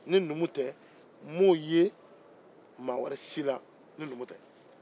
ni numu tɛ n ma o ye mɔgɔ si la ni numu tɛ